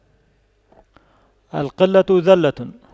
القلة ذلة